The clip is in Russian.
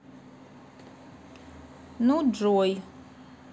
ну джой